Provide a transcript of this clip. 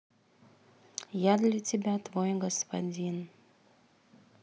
я для тебя твой господин